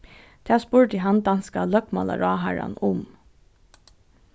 tað spurdi hann danska løgmálaráðharran um